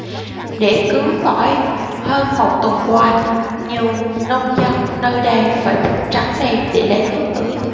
để cứu tỏi hơn một tuần qua nhiều nông dân nơi đây phải thức trắng đêm để lấy nước tưới